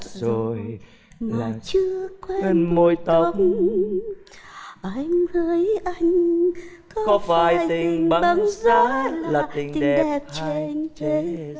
rồi là chưa quen mùi tóc anh hỡi anh có phải tình băng giá là tình đẹp trên thế gian